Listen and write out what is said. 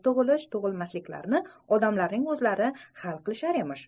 tug'ilish tug'ilmasliklarini odamlarning o'zlari hal qilar emish